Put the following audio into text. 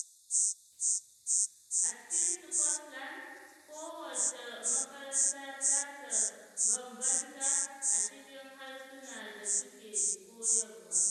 A cikin Scotland, kowace makaranta za ta bambanta a cikin harsuna da suke koyarwa.